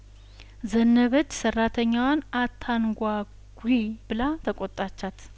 ዘነበች ሰራተኛዋን አታንጓጉ ብላ ተቆጣቻት